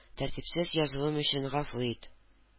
Тәртипсез язуым өчен гафу ит.